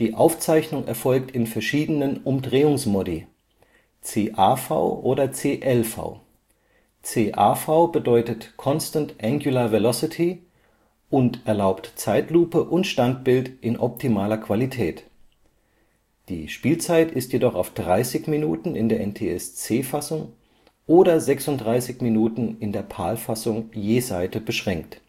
Aufzeichnung erfolgt in verschiedenen Umdrehungsmodi: CAV oder CLV. CAV (Constant Angular Velocity) erlaubt Zeitlupe und Standbild in optimaler Qualität, die Spielzeit ist jedoch auf 30 min (NTSC) oder 36 min (PAL) je Seite beschränkt